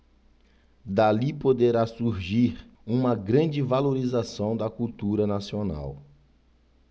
dali poderá surgir uma grande valorização da cultura nacional